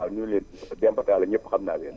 waaw ñu ngi leen Demba Talla ñëpp xam naa leen